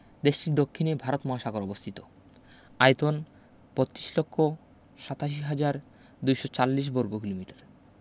দেশটির দক্ষিণে ভারত মহাসাগর অবস্থিত আয়তন ৩২ লক্ষ ৮৭ হাজার ২৪০ বর্গ কিমি